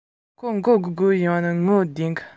ང རང རྡོག ཐོ གཞུས པའི ན ཟུག ཀྱང